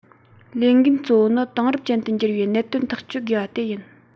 ལས འགན གཙོ བོ ནི དེང རབས ཅན དུ འགྱུར བའི གནད དོན ཐག གཅོད དགོས པ དེ ཡིན